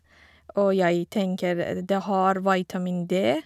Og jeg tenker det har vitamin D.